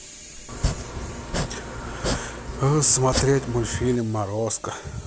смотреть мультфильм морозко